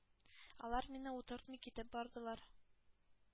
Алар мине утыртмый китеп бардылар.